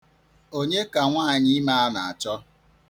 Onye ka nwaànyìime a na-achọ?